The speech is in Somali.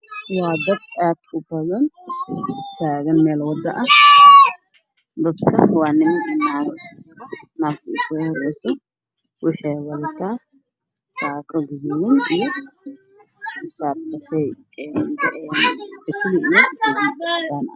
Ah waa dad aada u badan oo taagan meel waddo ah iskugu jiro niman iyo naago naagta ugu soo horreyso waxay wadataako madow ah iyo xijaab caddaan ah